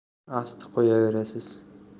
asti qo'yaverasiz